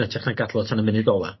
yn ytrach na gadal o tan y munud ola.